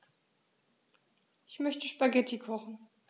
Ich möchte Spaghetti kochen.